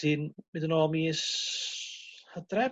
Ti'n mynd yn ôl mis Hydref?